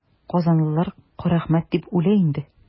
Казанлылар Карәхмәт дип үлә инде.